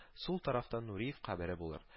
Сул тарафта нуриев кабере булыр